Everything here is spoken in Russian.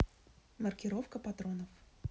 маркировка патронов